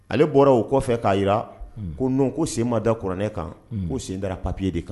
Ale bɔra o kɔfɛ k'a jira, un, ko non ko sen ma da kuranɛ kan, un, ko sen da la papier de kan.